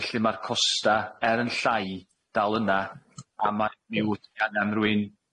felly ma'r costa er yn llai dal yna a ma' am rwin